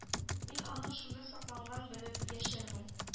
Мин аның шунда сакланганын белеп яшәрмен